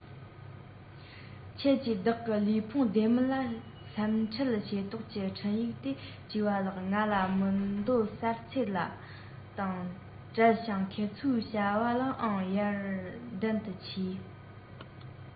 ཁྱེད ཀྱིས བདག གི ལུས ཕུང བདེ མིན ལ སེམས ཁྲལ བྱེད དོགས ཀྱིས འཕྲིན ཡིག འདི བྲིས པ ལགས ང ལ མི འདོད གསར འཚེ དང བྲལ ཞིང ཁེ ཚོང གི བྱ བའང ཡར ལྡན དུ མཆིས